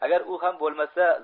agar u ham bo'lmasa